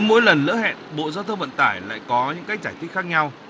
cứ mỗi lần lỡ hẹn bộ giao thông vận tải lại có những cách giải thích khác nhau